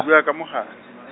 ke bua ka moga- .